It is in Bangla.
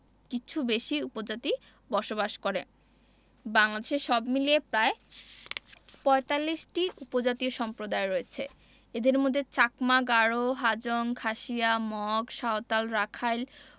কিছু বেশি উপজাতি বসবাস করে বাংলাদেশে সব মিলিয়ে প্রায় ৪৫টি উপজাতীয় সম্প্রদায় রয়েছে এদের মধ্যে চাকমা গারো হাজং খাসিয়া মগ সাঁওতাল রাখাইল